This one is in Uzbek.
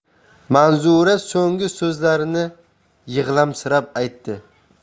manzura so'nggi so'zlarini yig'lamsirab aytdi